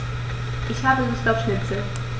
Ich habe Lust auf Schnitzel.